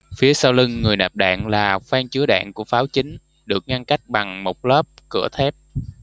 phía sau lưng người nạp đạn là khoang chứa đạn của pháo chính được ngăn cách bằng một lớp cửa thép